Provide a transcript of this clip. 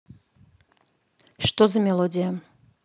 что за мелодия